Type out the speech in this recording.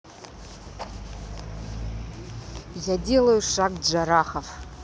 я делаю шаг джарахов